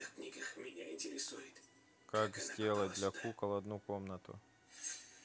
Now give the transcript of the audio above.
как сделать для кукол одну комнату